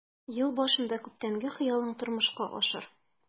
Ел башында күптәнге хыялың тормышка ашар.